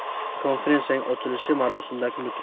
xalqaro konferensiyaning ochilish marosimidagi nutq